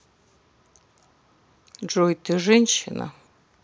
джой ты женщина